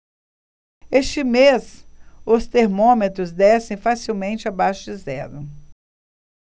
este mês os termômetros descem facilmente abaixo de zero